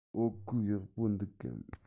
བོད གོས ཡག པོ འདུག གམ